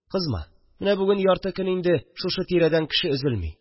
Кызма. Менә бүген ярты көн инде шушы тирәдән кеше өзелми